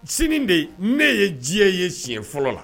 Chine de, ne ye diɲɛ ye senɲɛ fɔlɔ la.